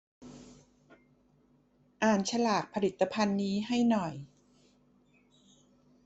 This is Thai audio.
อ่านฉลากผลิตภัณฑ์นี้ให้หน่อย